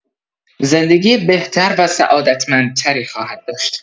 زندگی بهتر و سعادتمندتری خواهد داشت.